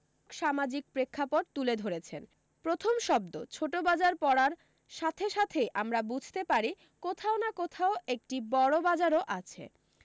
সামাজিক প্রেক্ষাপট তুলে ধরেছেন প্রথম শব্দ ছোট বাজার পড়ার সাথে সাথেই আমরা বুঝতে পারি কোথাও না কোথাও একটি বড় বাজারও আছে